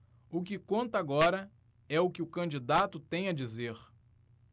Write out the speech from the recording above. o que conta agora é o que o candidato tem a dizer